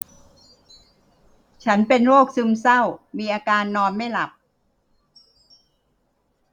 ฉันเป็นโรคซึมเศร้ามีอาการนอนไม่หลับ